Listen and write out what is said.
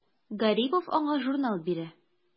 Гарипов аңа журнал бирә.